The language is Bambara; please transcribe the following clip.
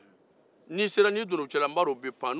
n'i sera n'i donna u cɛla n b'a dɔn u bɛ pan